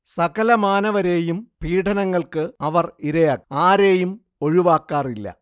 സകലമാനവരെയും പീഢനങ്ങൾക്ക് അവർ ഇരയാക്കും. ആരെയും ഒഴിവാക്കാറില്ല